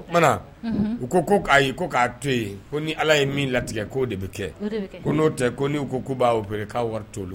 Oumana u ko ko k'a ye ko k'a to yen ko ni ala ye min latigɛ ko de bɛ kɛ ko n'o tɛ ko n'u ko b'awere' wari'lu